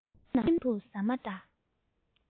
ཁྱིམ ནང དུ ཟ མ འདྲ